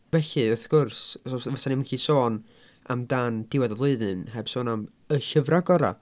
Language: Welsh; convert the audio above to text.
Felly, wrth gwrs, fys- fysa ni'm yn gallu sôn amdan diwedd y flwyddyn heb sôn am y llyfrau gorau.